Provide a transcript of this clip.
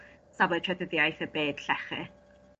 safle tredydiaeth y byd llechi?